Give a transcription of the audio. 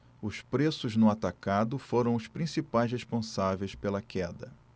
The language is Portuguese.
os preços no atacado foram os principais responsáveis pela queda